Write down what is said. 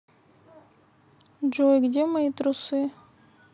джой где мои трусы